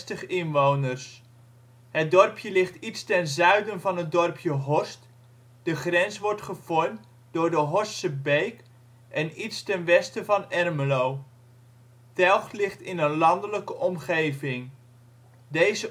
860 inwoners (2004). Het dorpje ligt iets ten zuiden van het dorpje Horst, de grens wordt gevormd door de Horstsche Beek, en iets ten westen van Ermelo. Telgt ligt in een landelijke omgeving. 52°